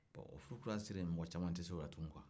o furukurasiri in mɔgɔ caman tɛ se o la